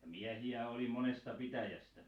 ja miehiä oli monesta pitäjästä